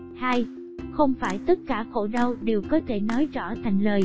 không phải tất cả khổ đau đều có thể nói rõ thành lời